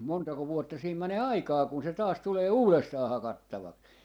montako vuotta siinä menee aikaa kun se taas tulee uudestaan hakattavaksi